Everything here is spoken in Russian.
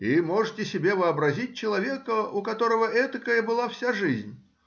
И можете себе вообразить человека, у которого этакая была вся жизнь!